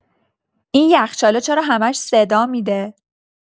این یخچاله چرا همش صدا می‌ده؟